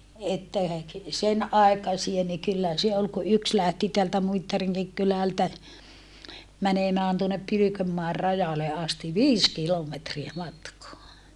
että sen aikaisia niin kyllä se oli kun yksi lähti täältä Muittarinkin kylältä menemään tuonne Pylkönmäen rajalle asti viisi kilometriä matkaa